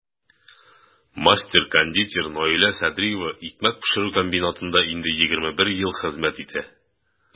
Мастер-кондитер Наилә Садриева икмәк пешерү комбинатында инде 21 ел хезмәт итә.